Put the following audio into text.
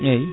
eyyi